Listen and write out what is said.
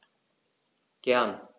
Gern.